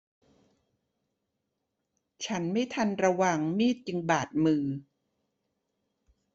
ฉันไม่ทันระวังมีดจึงบาดมือ